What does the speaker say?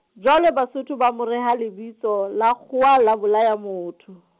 jwale Basotho ba mo reha le bitso la kgowa la bolaya motho.